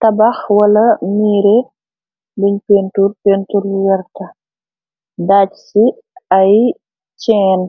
Tabax wala miire, buñ pentur pentur werta, daaj ci ay ceen,